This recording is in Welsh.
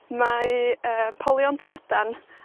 Mae yy polion trydan,